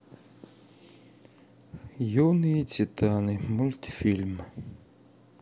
юные титаны мультфильм